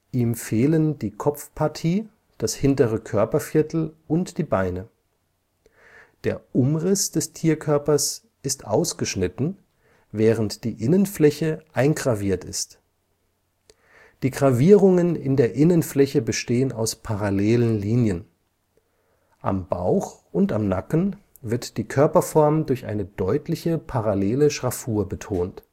Ihm fehlen die Kopfpartie, das hintere Körperviertel und die Beine. Der Umriss des Tierkörpers ist ausgeschnitten, während die Innenfläche eingraviert ist. Die Gravierungen in der Innenfläche bestehen aus parallelen Linien. Am Bauch und am Nacken wird die Körperform durch eine deutliche parallele Schraffur betont